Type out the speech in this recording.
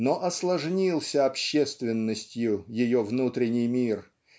но осложнился общественностью ее внутренний мир